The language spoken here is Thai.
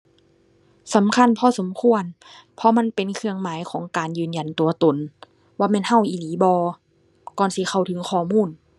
สำคัญพอสมควร เพราะมันเป็นเครื่องหมายของการยืนยันตัวตน ว่าแม่นเราอีหลีบ่ ก่อนสิเข้าถึงข้อมูล